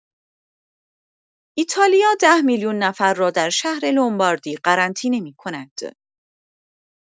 ایتالیا ده میلیون نفر را در شهر لومباردی قرنطینه می‌کند.